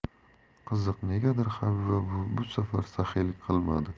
qiziq negadir habiba buvi bu safar saxiylik qilmadi